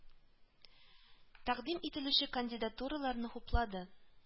Тәкъдим ителүче кандидатураларны хуплады